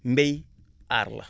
mbay aar la